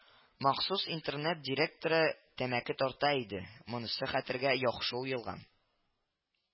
Махсус интернет директоры тәмәке тарта иде монысы хәтергә яхшы уелган